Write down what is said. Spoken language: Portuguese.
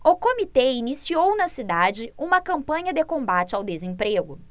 o comitê iniciou na cidade uma campanha de combate ao desemprego